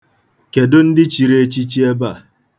Kedụ ndị chiri echichi ebe a?